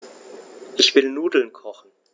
Ich will Nudeln kochen.